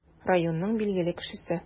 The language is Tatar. Районның билгеле кешесе.